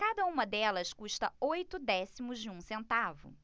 cada uma delas custa oito décimos de um centavo